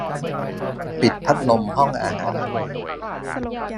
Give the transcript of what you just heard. ปิดพัดลมห้องอาหาร